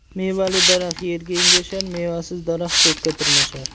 mevali daraxt yerga engashar mevasiz daraxt ko'kka tirmashar